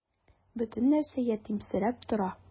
Бөтен нәрсә ятимсерәп тора.